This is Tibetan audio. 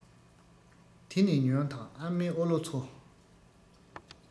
དེ ནས ཉོན དང ཨ མའི ཨོ ལོ ཚོ